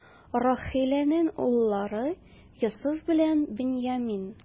Рахиләнең уллары: Йосыф белән Беньямин.